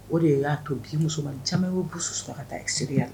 O de y'a to bi musoman caman bɛ bi su su ka taa i seya